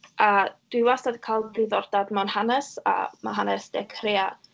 A dwi wastad yn cael diddordeb mewn hanes, a ma' hanes De Corea...